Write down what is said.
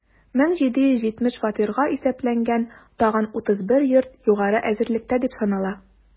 1770 фатирга исәпләнгән тагын 31 йорт югары әзерлектә дип санала.